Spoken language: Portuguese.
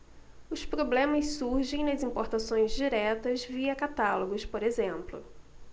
os problemas surgem nas importações diretas via catálogos por exemplo